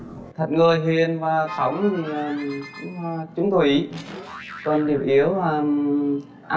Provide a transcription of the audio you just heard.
thật người hiền và sống thì cũng chung thủy còn điểm yếu là ăn